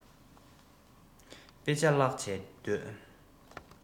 དཔེ ཆ བཀླགས བྱས སྡོད